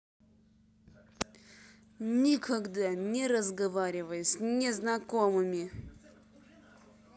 никогда не разговаривай с незнакомыми